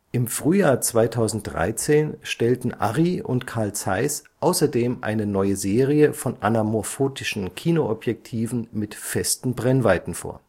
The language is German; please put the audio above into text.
Im Frühjahr 2013 stellten ARRI und Carl Zeiss außerdem eine neue Serie von anarmorphotischen Kino-Objektiven mit festen Brennweiten vor